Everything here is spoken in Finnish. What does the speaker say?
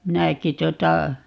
minäkin tuota